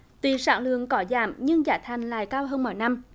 tuy sản lượng có giảm nhưng giá thành lại cao hơn mọi năm